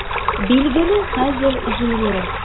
Билгеле, хәзер җиңелрәк.